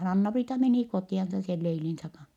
Anna-Priita meni kotiansa sen leilinsä kanssa